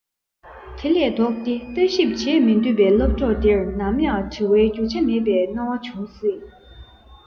དེ ལས ལྡོག ཏེ ལྟ ཞིབ བྱེད མི འདོད པའི སློབ གྲོགས དེར ནམ ཡང བྲི བའི རྒྱུ ཆ མེད པའི སྣང བ འབྱུང སྲིད